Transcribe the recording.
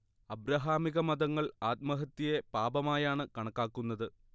അബ്രഹാമികമതങ്ങൾ ആത്മഹത്യയെ പാപമായാണ് കണക്കാക്കുന്നത്